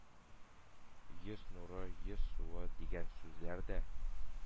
«йөз нуры, «йөз суы» дигән сүзләр дә